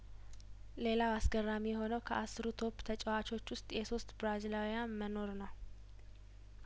ሌላው አስገራሚ የሆነው ከአስሩ ቶፕ ተጨዋቾች ውስጥ የሶስት ብራዚላዊያን መኖር ነው